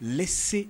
le se